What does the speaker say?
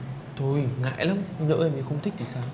thôi ngại lắm nhỡ em ấy không thích thì sao